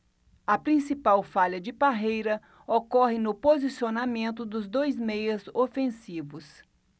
a principal falha de parreira ocorre no posicionamento dos dois meias ofensivos